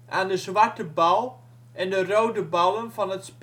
aan de zwarte bal en de rode ballen van het